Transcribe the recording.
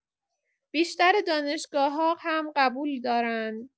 بیشتر دانشگاه‌‌ها هم قبول دارن.